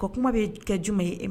Ko kuma bɛ kɛ juma ye